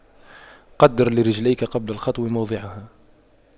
قَدِّرْ لِرِجْلِكَ قبل الخطو موضعها